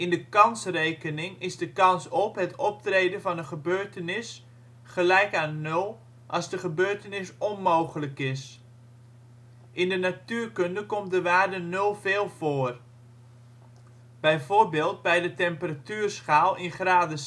de kansrekening is de kans op (het optreden van) een gebeurtenis gelijk aan 0 als de gebeurtenis onmogelijk is. In de natuurkunde komt de waarde nul veel voor. Bijvoorbeeld bij de temperatuurschaal in graden